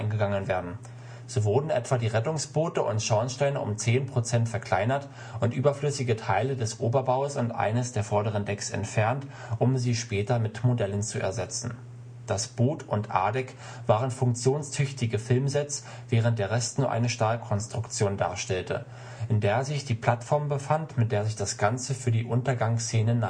So wurden etwa die Rettungsboote und Schornsteine um zehn Prozent verkleinert und überflüssige Teile des Oberbaus und eines der vorderen Decks entfernt, um sie später mit Modellen zu ersetzen. Das Boot - und A-Deck waren funktionstüchtige Filmsets, während der Rest nur eine Stahlkonstruktion darstellte, in der sich die Plattform befand, mit der sich das Ganze für die Untergangsszenen